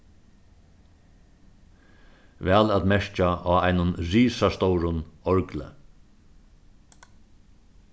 væl at merkja á einum risastórum orgli